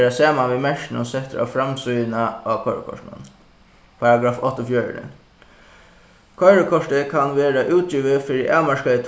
verða saman við merkinum settir á framsíðuna á koyrikortinum paragraff áttaogfjøruti koyrikortið kann verða útgivið fyri avmarkaða